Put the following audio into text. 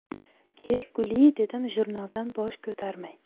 kel guli dedim jurnaldan bosh ko'tarmay